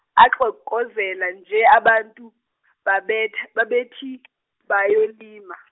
axokozela nje abantu babet- babethi bayolima.